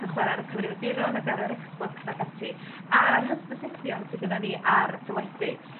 yn chwara ar y cyfrifiaduron ag ar yr Xbox ac ati a'r hysbysebion sy gynnon ni ar y teledu